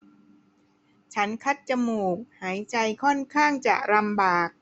ฉันคัดจมูกหายใจค่อนข้างจะลำบาก